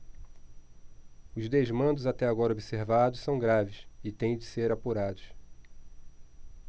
os desmandos até agora observados são graves e têm de ser apurados